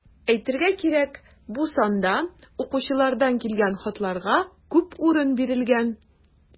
Әйтергә кирәк, бу санда укучылардан килгән хатларга күп урын бирелгән.